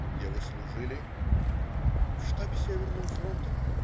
"Где вы служили?" - "В штабе Северного фронта".